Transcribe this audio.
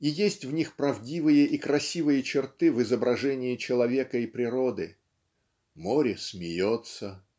и есть в них правдивые и красивые черты в изображении человека и природы. "Море смеется"